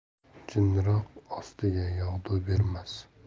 jinchiroq ostiga yog'du bermas